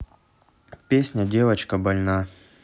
песня девочка больна